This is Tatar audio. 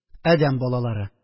Адәм балалары